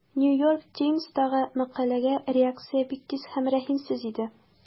New York Times'тагы мәкаләгә реакция бик тиз һәм рәхимсез иде.